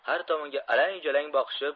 har tomonga alang jalang boqishib